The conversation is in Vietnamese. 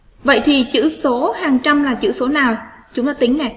vậy thì chữ số hàng trăm là chữ số nào chúng ta tính